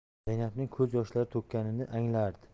zaynabning ko'z yoshlari to'kkanini anglardi